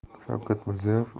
shavkat mirziyoyev